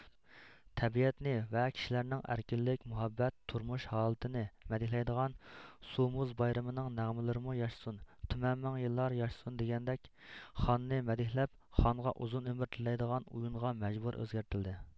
تەبىئەتنى ۋە كىشىلەرنىڭ ئەركىنلىك مۇھەببەت تۇرمۇش ھالىتىنى مەدھىيلەيدىغان سۇ مۇز بايرىمىنىڭ نەغمىلىرىمۇ ياشىسۇن تۈمەن مىڭ يىللار ياشىسۇن دېگەندەك خاننى مەدھىيلەپ خانغا ئۇزۇن ئۆمۈر تىلەيدىغان ئۇيۇنغا مەجبۇرى ئۆزگەرتىلدى